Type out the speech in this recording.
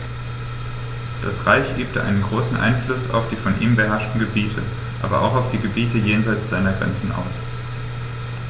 Das Reich übte einen großen Einfluss auf die von ihm beherrschten Gebiete, aber auch auf die Gebiete jenseits seiner Grenzen aus.